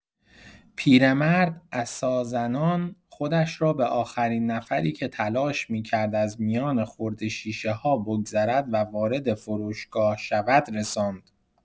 پیرمرد عصازنان خودش را به آخرین نفری که تلاش می‌کرد از میان خرده‌شیشه‌ها بگذرد و وارد فروشگاه شود، رساند.